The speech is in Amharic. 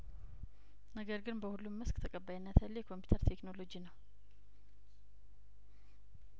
ነገር ግን በሁሉም መስክ ተቀባይነት ያለው የኮምፒውተር ቴክኖሎጂ ነው